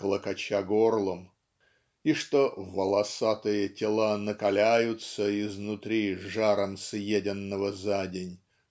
клокоча горлом" и что "волосатые тела накаляются изнутри жаром съеденного за день